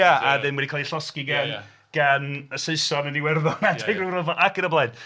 A ddim wedi cael eu llosgi gan... gan y Saeson yn Iwerddon adeg y rhyfel ac yn y blaen.